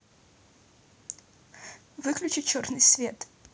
включи черный свет